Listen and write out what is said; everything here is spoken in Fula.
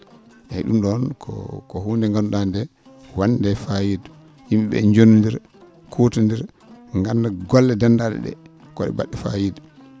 eeyi ?um ?oon ko huunde nde nganndu?aa ndee wa?nde fayida yim?e ?ee joononndira kuutonndira ngannda golle denndaa?e ?ee ko ?e bad?e fayida